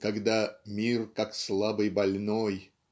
когда "мир -- как слабый больной"